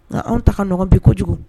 Nka anw ta nɔgɔn bi kojugu